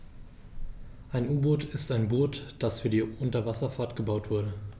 Ein U-Boot ist ein Boot, das für die Unterwasserfahrt gebaut wurde.